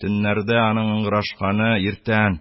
Төннәрдә аның ыңгырашканы, иртән: